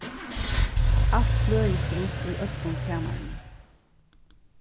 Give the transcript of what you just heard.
alt sløðist runt í øllum kamarinum